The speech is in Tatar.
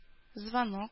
Звонок